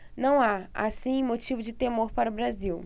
não há assim motivo de temor para o brasil